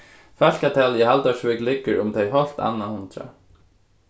fólkatalið í haldórsvík liggur um tey hálvt annað hundrað